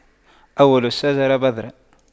أول الشجرة بذرة